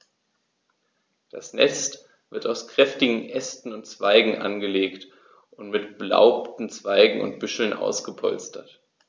Das Nest wird aus kräftigen Ästen und Zweigen angelegt und mit belaubten Zweigen und Büscheln ausgepolstert.